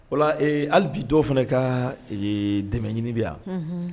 Wala hali bi dɔw fana ka dɛmɛɲini bɛ yan